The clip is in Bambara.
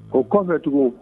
O kɔ fɛ tugun